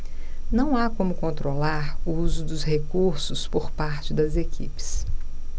não há como controlar o uso dos recursos por parte das equipes